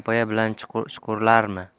zinapoya bilan chiqurlarmi